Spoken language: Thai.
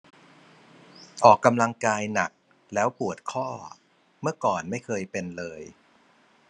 ออกกำลังกายหนักแล้วปวดข้อเมื่อก่อนไม่เคยเป็นเลย